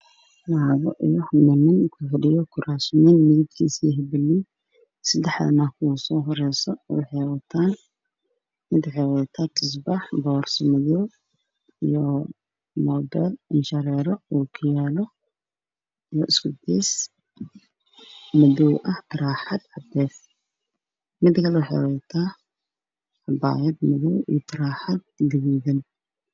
Waa naago fadhiyo meel waxey ku fadhiyaan kuraas buluug ah